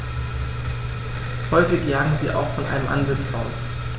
Häufig jagen sie auch von einem Ansitz aus.